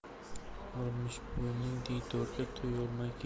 oltmishvoyning diydoriga to'yolmay ketdi